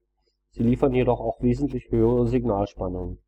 sie liefern jedoch auch wesentlich höhere Signalspannungen